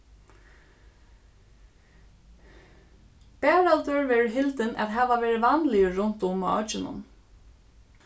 baraldur verður hildin at hava verið vanligur runt um á oyggjunum